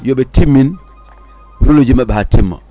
yooɓe timmin rôle uji mabɓe ha timm